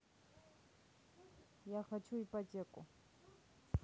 я хочу ипотеку